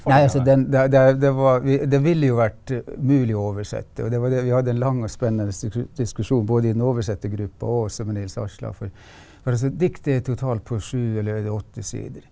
nei altså den det det det var vi det ville jo vært mulig å oversette og det var det vi hadde en lang og spennende diskusjon både i den oversettergruppa og også med Nils Aslak for for altså diktet er totalt på sju eller åtte sider.